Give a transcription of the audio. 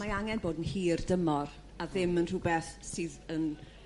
Mae angen bod yn hir dymor a ddim yn rhywbeth sydd yn